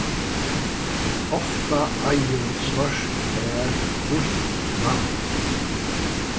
ofta eigur svørt ær hvítt lamb